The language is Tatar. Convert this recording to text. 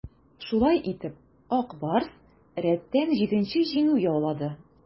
Шулай итеп, "Ак Барс" рәттән җиденче җиңү яулады.